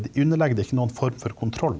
de underlegger det ikke noen form for kontroll.